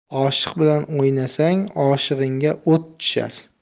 oshiq bilan o'ynasang oshig'ingga o't tushar